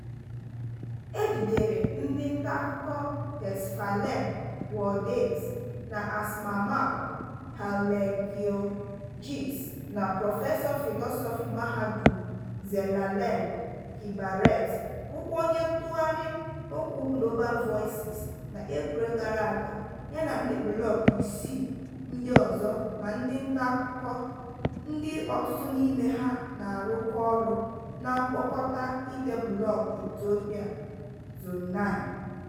E jidere ndị ntaakụkọ Tesfalem Waldyes na Asmamaw Hailegiorgis na prọfesọ fịlọsọfị mahadum Zelalem Kiberet, bụkwa onye ntụgharị okwu Global Voices, n'Eprel gara aga yana ndị blọọgụ isii ndị ọzọ na ndị ntaakụkọ, ndị ọtụtụ n'ime ha na-arụkọ ọrụ na mkpokọta ide blọọgụ Etiopia Zone9.